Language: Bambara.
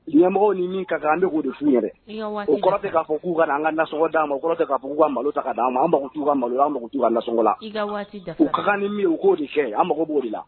Ɲɛmɔgɔ ni kan an'o de fu yɛrɛ u kɔrɔ k k'u an ka naso d'a kɔrɔ kau ka malo ta ka d'an ma anu ka malo an makou lassogo la ka ni u k'o de cɛ an mako b'o la